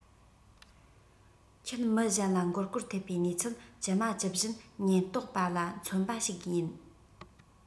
ཁྱེད མི གཞན ལ མགོ སྐོར ཐེབས པའི གནས ཚུལ ཇི མ ཇི བཞིན ཉེན རྟོག པ ལ མཚོན པ ཞིག ཡིན